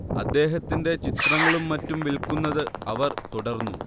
അദ്ദേഹത്തിന്റെ ചിത്രങ്ങളും മറ്റും വിൽക്കുന്നത് അവർ തുടർന്നു